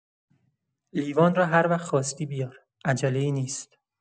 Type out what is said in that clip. لیوان رو هر وقت خواستی بیار، عجله‌ای نیست.